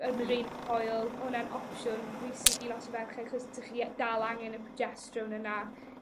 yr coil, ma' hwnna'n opsiwn pwysig i lot o ferched 'chos 'dych y- dal angen y progesteron yna.